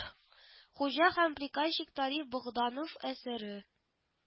Хуҗа һәм приказчик тариф богданов әсәре